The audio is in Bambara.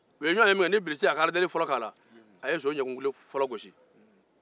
u ye ɲɔgɔn min kɛ ni bilisi ye aladeli fɔlɔ kɛ a la a ye so ɲɛkuntulo gosi